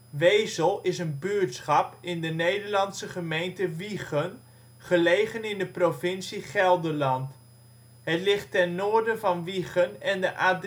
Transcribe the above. Wezel is een buurtschap in de Nederlandse gemeente Wijchen, gelegen in de provincie Gelderland. Het ligt ten noorden van Wijchen en de A326